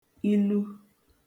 ilu